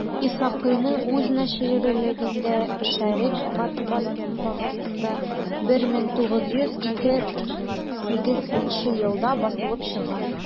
Исхакыйның үз наширлегендә «Шәрекъ» матбагасында 1918 елда басылып чыга.